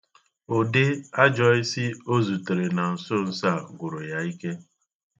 Ụdị ajọisi o zutere na nsonso a gwụrụ ya ike.